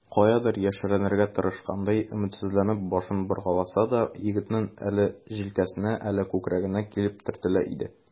Каядыр яшеренергә тырышкандай, өметсезләнеп башын боргаласа да, егетнең әле җилкәсенә, әле күкрәгенә килеп төртелә иде.